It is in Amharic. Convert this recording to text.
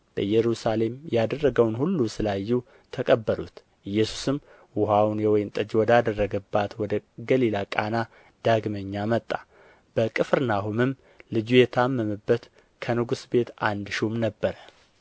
በኢየሩሳሌም ያደረገውን ሁሉ ስላዩ ተቀበሉት ኢየሱስም ውኃውን የወይን ጠጅ ወዳደረገባት ወደ ገሊላ ቃና ዳግመኛ መጣ በቅፍርናሆምም ልጁ የታመመበት ከንጉሥ ቤት አንድ ሹም ነበረ